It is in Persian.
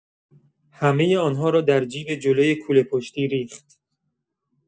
همه آن‌ها را در جیب جلوی کوله‌پشتی ریخت.